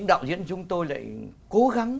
đạo diễn chúng tôi lại cố gắng